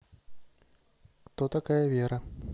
кто такая вера